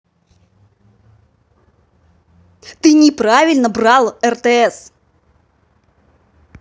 ты неправильно брал ртс